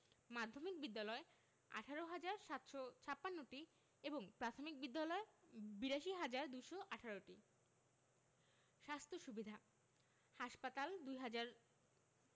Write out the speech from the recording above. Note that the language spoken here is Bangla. মাধ্যমিক বিদ্যালয় ১৮হাজার ৭৫৬টি এবং প্রাথমিক বিদ্যালয় ৮২হাজার ২১৮টি স্বাস্থ্য সুবিধাঃ হাসপাতাল ২হাজার